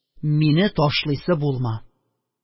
Мине ташлыйсы булма!